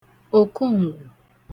òkoǹgwù